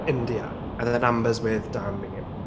Indiyah and then Amber’s with Dami.